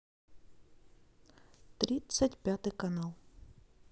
тридцать пятый канал